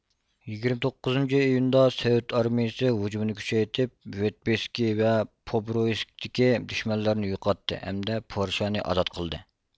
يىگىرمە توققۇزىنچى ئىيۇندا سوۋېت ئارمىيىسى ھۇجۇمنى كۈچەيتىپ ۋىتېبسكى ۋە بۇبرۇيسكدىكى دۈشمەنلەرنى يوقاتتى ھەمدە پورشانى ئازاد قىلدى